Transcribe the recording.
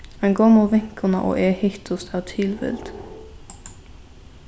ein gomul vinkona og eg hittust av tilvild